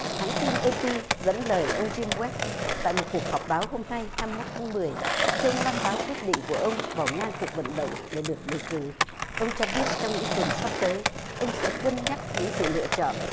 hãng tin ây pi dẫn lời ông dim goét tại một cuộc họp báo hôm nay hai mươi mốt tháng mười khi ông loan báo quyết định của ông bỏ ngang cuộc vận động để được đề cử ông cho biết trong những tuần sắp tới ông sẽ cân nhắc những sự lựa chọn